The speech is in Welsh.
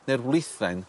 ne'r wlithen